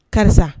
Karisa